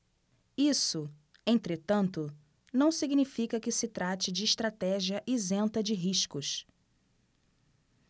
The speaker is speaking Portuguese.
isso entretanto não significa que se trate de estratégia isenta de riscos